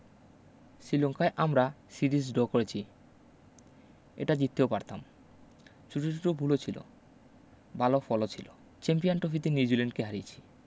শীলঙ্কায় আমরা series draw করেছি এটা জিততেও পারতাম ছুট ছুট ভুল ছিল ভালো ফলও ছিল চ্যাম্পিয়ন টফিতে নিউজিল্যান্ডকে হারিয়েছি